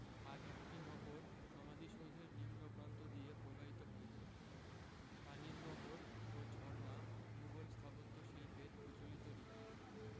আর একটি নহর সমাধিসৌধের নিম্ন প্রান্ত দিয়ে প্রবাহিত হয়েছে পানির নহর ও ঝর্ণা মুগল স্থাপত্য শিল্পের প্রচলিত রীতি